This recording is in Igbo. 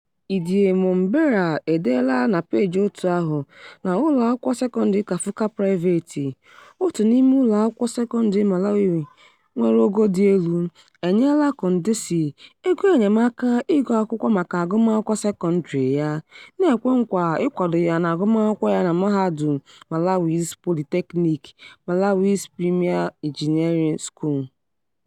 Eddie Mombera edeela na peeji òtù ahụ na ụlọakwụkwọ sekọndrị Kaphuka Private, otu n'ime ụlọakwụkwọ sekọndrị Malawi nwere ogo dị elu, enyela Kondesi, "egoenyemaaka iguakwụkwọ maka agụmakwụkwọ sekọndrị ya", na-ekwe nkwa ikwado ya n'agụmakwụkwọ ya na Mahadum Malawi's Polytechnic, Malawi's premier engineering school.